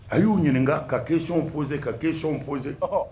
A y'u ɲininka ka questions posser ka question poser